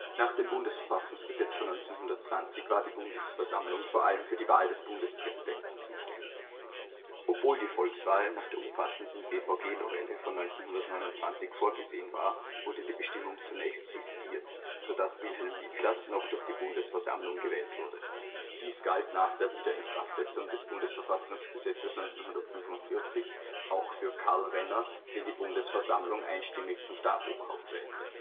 Nach dem Bundes-Verfassungsgesetz von 1920 war die Bundesversammlung vor allem für die Wahl des Bundespräsidenten zuständig. Obwohl die Volkswahl nach der umfassenden B-VG-Novelle von 1929 vorgesehen war, wurde die Bestimmung zunächst sistiert, so dass Wilhelm Miklas noch durch die Bundesversammlung gewählt wurde. Dies galt nach der Wiederinkraftsetzung des B-VG 1945 auch für Karl Renner, den die Bundesversammlung einstimmig zum Staatsoberhaupt wählte